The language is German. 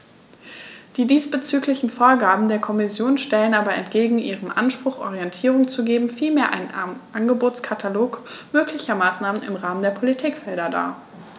Die diesbezüglichen Vorgaben der Kommission stellen aber entgegen ihrem Anspruch, Orientierung zu geben, vielmehr einen Angebotskatalog möglicher Maßnahmen im Rahmen der Politikfelder dar.